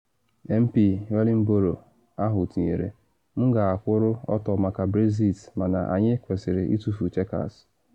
MP Wellingborough ahụ tinyere: ‘M ga-akwụrụ ọtọ maka Brexit mana anyị kwesịrị itufu Chequers.’